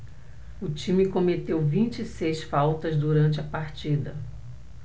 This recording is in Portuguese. o time cometeu vinte e seis faltas durante a partida